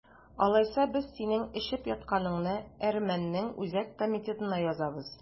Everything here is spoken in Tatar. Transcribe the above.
Алайса, без синең эчеп ятканыңны әрмәннең үзәк комитетына язабыз!